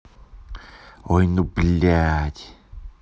ой ну блять